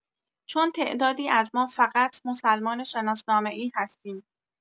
چون تعدادی از ما فقط مسلمان شناسنامه‌ای هستیم